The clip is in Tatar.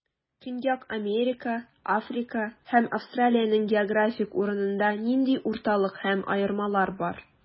Көньяк Америка, Африка һәм Австралиянең географик урынында нинди уртаклык һәм аермалар бар?